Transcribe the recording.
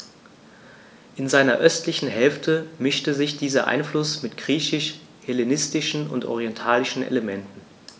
In seiner östlichen Hälfte mischte sich dieser Einfluss mit griechisch-hellenistischen und orientalischen Elementen.